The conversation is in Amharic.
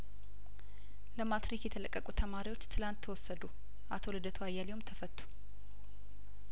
ለማትሪክ የተለቀቁ ተማሪዎች ትላንት ተወሰዱ አቶ ልደቱ አያሌውም ተፈቱ